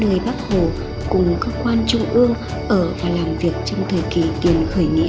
nơi bác hồ cùng cơ quan trung ương ở và làm việc trong thời kỳ tiền khởi nghĩa